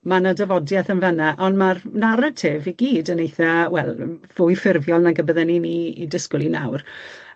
ma' 'na dafodieth y fyn 'na on' ma'r naratif i gyd yn eitha wel yym fwy ffurfiol nag y bydden i'n 'i 'i disgwl 'i nawr.